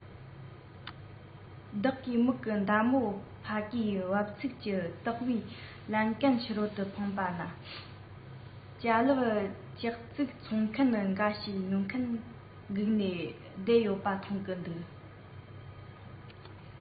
བདག གིས མིག གི མདའ མོ ཕ གིའི འབབ ཚུགས གྱི སྟེགས བུའི ལན ཀན ཕྱི རོལ དུ འཕངས པ ན ཅ ལག ཙག ཙིག འཚོང མཁན འགའ ཞིག ཉོ མཁན བསྒུགས ནས བསྡད ཡོད པ མཐོང གི འདུག